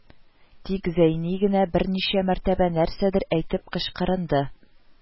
Тик Зәйни генә берничә мәртәбә нәрсәдер әйтеп кычкырынды